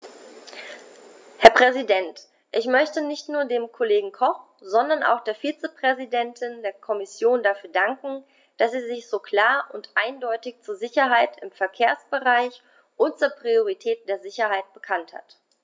Herr Präsident, ich möchte nicht nur dem Kollegen Koch, sondern auch der Vizepräsidentin der Kommission dafür danken, dass sie sich so klar und eindeutig zur Sicherheit im Verkehrsbereich und zur Priorität der Sicherheit bekannt hat.